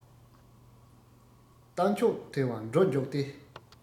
རྟ མཆོག དུལ བ འགྲོ མགྱོགས ཏེ